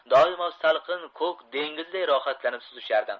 doimo salqin ko'k dengizida rohatlanib suzishardi